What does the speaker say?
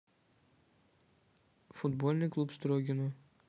футбольный клуб строгино